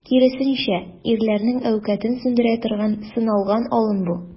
Киресенчә, ирләрнең әүкатен сүндерә торган, сыналган алым бу.